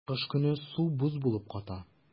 Кыш көне су боз булып ката.